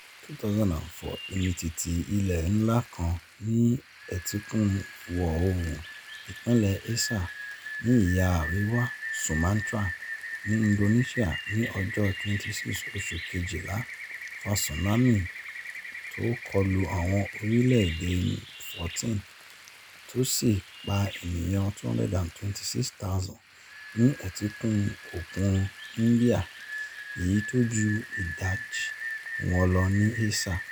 2004: Ìmìtìtì ilẹ̀ ńlá kan ní etíkun ìwọ̀-oòrùn ìpínlẹ̀ Aceh ní ìhà àríwá Sumatra ní Indonesia ní ọjọ́ 26 oṣù kejìlà fa tsunami tó kọlu àwọn orílẹ̀-èdè 14, tó sì pa ènìyàn 226,000 ní etíkun Òkun Íńdíà, èyí tó ju ìdajì wọn lọ ní Aceh.